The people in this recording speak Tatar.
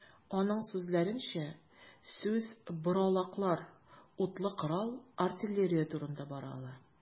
Аның сүзләренчә, сүз боралаклар, утлы корал, артиллерия турында бара ала.